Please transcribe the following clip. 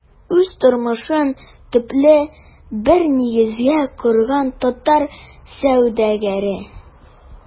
Үз тормышын төпле бер нигезгә корган татар сәүдәгәре.